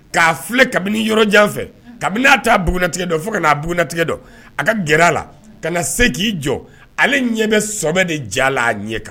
K'a filɛ kabini yɔrɔ jan fɛ; Un; Kabini n'a t'a bugunatigɛ dɔn fo ka n'a bugunatigɛ dɔn, a ka gɛrɛ a la, ka na se k'i jɔ. Ale ɲɛ bɛ sɔbɛ de ja la a ɲɛ kan.